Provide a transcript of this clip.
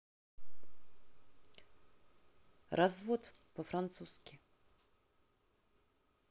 развод по французски